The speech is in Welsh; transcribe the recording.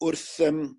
wrth yym